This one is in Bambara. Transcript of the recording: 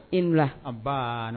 I nu wula. Anbaa !